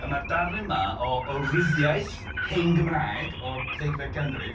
Mae'r darnau yma o ryddiaith hen Gymraeg o'r ddegfed ganrif.